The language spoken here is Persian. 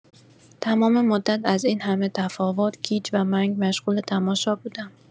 تمام مدت از این همه تفاوت، گیج و منگ مشغول تماشا بودم.